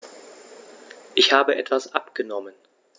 Ich habe etwas abgenommen.